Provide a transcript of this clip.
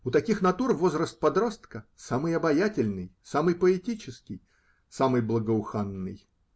У таких натур возраст подростка -- самый обаятельный, самый поэтический, самый благоуханный.